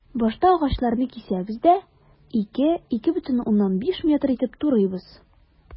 Башта агачларны кисәбез дә, 2-2,5 метр итеп турыйбыз.